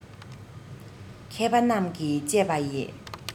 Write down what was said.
མཁས པ རྣམས ཀྱིས དཔྱད པ ཡི